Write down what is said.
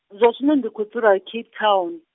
zwa zwino ndi khou dzula Cape Town.